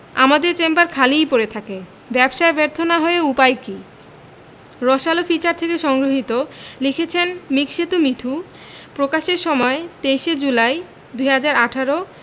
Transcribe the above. আমাদের চেম্বার খালিই পড়ে থাকে ব্যবসায় ব্যর্থ না হয়ে উপায় কী রসআলো ফিচার হতে সংগৃহীত লিখেছেনঃ মিকসেতু মিঠু প্রকাশের সময়ঃ ২৩ জুলাই ২০১৮